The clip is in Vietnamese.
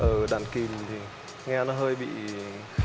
ừ đằng kìm thì nghe nó hơi bị